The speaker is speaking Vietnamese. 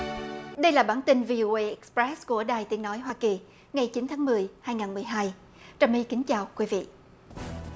đây là bản tin vi ô ây ịch pét của đài tiếng nói hoa kỳ ngày chín tháng mười hai ngàn mười hai trà my kính chào quý vị